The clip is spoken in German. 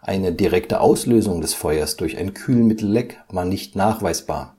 Eine direkte Auslösung des Feuers durch ein Kühlmittelleck war nicht nachweisbar.